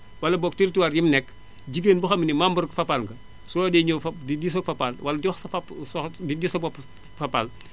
wala boog territoire gi mu nekk jigéen boo xam ne membre Fapal nga soo dee ñëw Fa di diisoo ak Fapal wala di wax papa sox di diis sa bopp Fapal